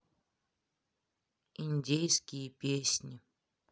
индейские песни